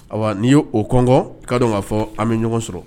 Ayiwa n'i y' o kɔnɔn kaa dɔn k kaa fɔ an bɛ ɲɔgɔn sɔrɔ